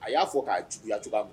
A y'a fɔ k'a juguyaya cogoya'a ma